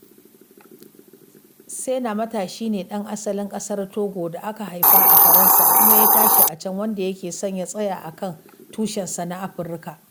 Sena matashi ne ɗan asalin ƙasar Togo da aka haifa a Faransa kuma ya tashi a can, wanda yake son ya tsaya a kan tushensa na Afirka.